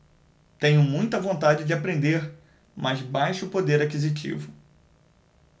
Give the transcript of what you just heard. tenho muita vontade de aprender mas baixo poder aquisitivo